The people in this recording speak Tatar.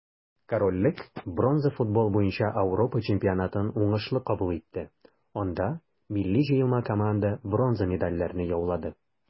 Корольлек бронза футбол буенча Ауропа чемпионатын уңышлы кабул итте, анда милли җыелма команда бронза медальләрне яулады.